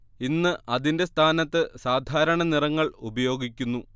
ഇന്ന് അതിന്റെ സ്ഥാനത്ത് സാധാരണ നിറങ്ങൾ ഉപയോഗിക്കുന്നു